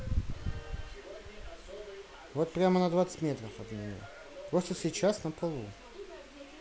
вот прямо на двадцать метров от меня просто сейчас на полу